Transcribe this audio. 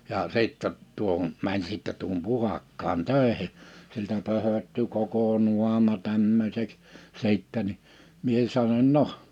ja sitten tuohon meni sitten tuohon Puhakkaan töihin siltä pöhöttyi koko naama tämmöiseksi sitten niin minä sanoin no